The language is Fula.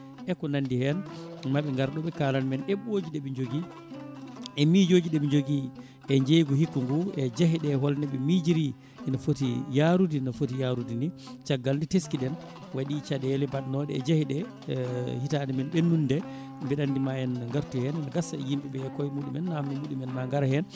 e ko nandi hen maaɓe gar ɗo ɓe kaalana men heɓɓoje ɗeeɓe joogui e miijoji ɗiiɓe joogui e jeygu hikka ngu e jeeheɗe holnoɓe miijori ene footi yaarude no footi yarude ni caggal nde teskiɗen waɗi caɗele bannoɗe e jeehe ɗe hitande men ɓennude nde mbeɗa andi ma en gartu hen ne gaasa taw yimɓeɓe e koye muɗumen namde muɗumen ma gaar hen